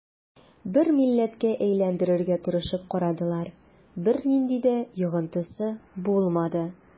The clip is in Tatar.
Бер милләткә әйләндерергә тырышып карадылар, бернинди дә йогынтысы булмады.